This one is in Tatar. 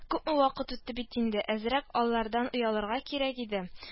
Күпме вакыт үтте бит инде, әзрәк алладан оялырга кирәк иде